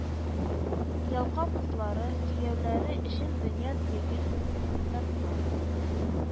Ялкау кызлары, кияүләре өчен дөнья йөген тарткан